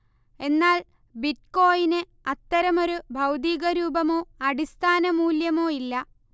എന്നാൽ ബിറ്റ്കോയിന് അത്തരമൊരു ഭൗതികരൂപമോ അടിസ്ഥാന മൂല്യമോയില്ല